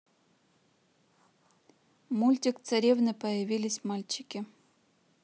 мультик царевны появились мальчики